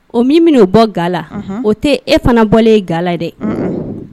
O min bɛn'o bɔ ga la, o tɛ e fana bɔlen ye ga la dɛ, un-un